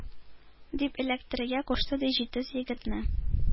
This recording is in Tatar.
— дип эләктерергә кушты, ди, җитез егетне.